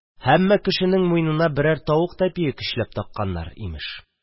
Һәммә кешенең муенына берәр тавык тәпиен көчләп такканнар, имеш...